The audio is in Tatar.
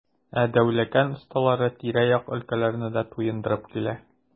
Ә Дәүләкән осталары тирә-як өлкәләрне дә туендырып килә.